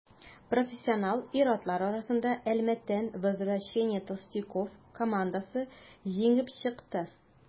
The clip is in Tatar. Профессионал ир-атлар арасында Әлмәттән «Возвращение толстяков» командасы җиңеп чыкты.